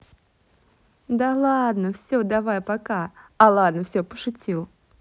да ладно все давай пока а ладно все пошутил